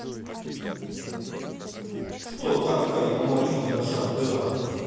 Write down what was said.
кто такая марина жадан